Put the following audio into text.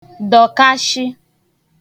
dọ̀kashị